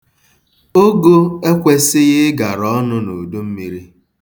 Ụgụ ekwesighị ịgara ọnụ n'udummiri.